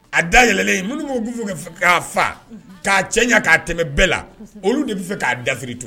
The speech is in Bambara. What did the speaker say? A da yɛlɛlen minnu bɛ k'a fa k'a cɛ ɲɛ k'a tɛmɛ bɛɛ la olu de bɛ fɛ k'a dasiriri to